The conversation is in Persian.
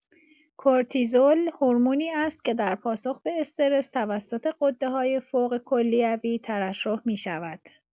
کورتیزول هورمونی است که در پاسخ به استرس توسط غده‌های فوق کلیوی ترشح می‌شود.